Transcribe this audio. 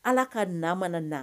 Ala ka naa mana na